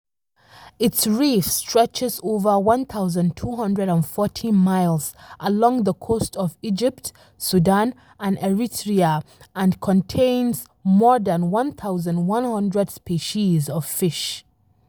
Its Reef stretches over 1,240 miles along the coast of Egypt, Sudan, and Eritrea and contains more than 1,100 species of fish.